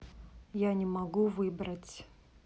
я не могу выбрать